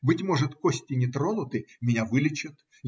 Быть может, кости не тронуты; меня вылечат.